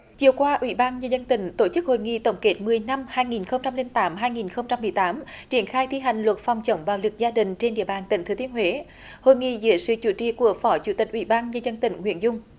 chiều qua ủy ban nhân dân tỉnh tổ chức hội nghị tổng kết mười năm hai nghìn không trăm linh tám hai nghìn không trăm mười tám triển khai thi hành luật phòng chống bạo lực gia đình trên địa bàn tỉnh thừa thiên huế hội nghị dưới sự chủ trì của phó chủ tịch ủy ban nhân dân tỉnh nguyễn dung